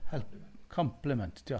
Help. Compliment diolch...